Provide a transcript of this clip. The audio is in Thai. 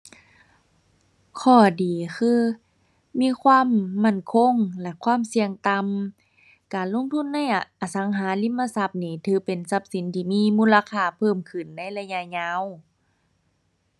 ข้อดีคือมีความมั่นคงและความเสี่ยงต่ำ การลงทุนในอสังหาริมทรัพย์นี่ ถือเป็นทรัพย์สินที่มีมูลค่าเพิ่มขึ้นในระยะยาว